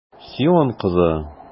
Сион кызы!